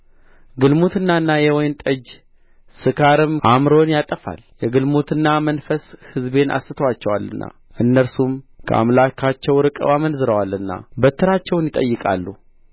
ግልሙትናና የወይን ጠጅ ስካርም አእምሮን ያጠፋል የግልሙትና መንፈስ ሕዝቤን አስቶአቸዋልና እነርሱም ከአምላካቸው ርቀው አመንዝረዋልና በትራቸውን ይጠይቃሉ